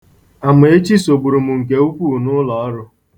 Amaechi sogburu m nke ukwuu n'ụlọ ọrụ.